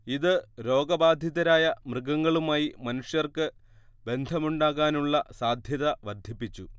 ഇത് രോഗബാധിതരായ മൃഗങ്ങളുമായി മനുഷ്യർക്ക് ബന്ധമുണ്ടാകാനുള്ള സാദ്ധ്യത വർദ്ധിപ്പിച്ചു